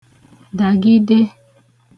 dàgide